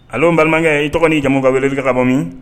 Allo n balimakɛ i tɔgɔ n'i jamun ka weleli kɛ ka bɔ min